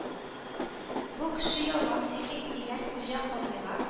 — бу кеше ялган сөйли,— дигән хуҗа казыйга.